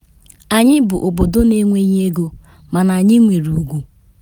O kwuru na nsonaazụ “ee” ga-abụ “nkwenye nke ọdịnihu anyị.”